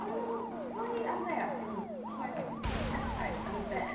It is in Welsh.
A fi'n meddwl "pwy ar y ddaear sy'n rhoi tent peg yn y bin"?